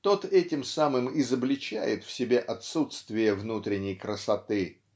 тот этим самым изобличает в себе отсутствие внутренней красоты.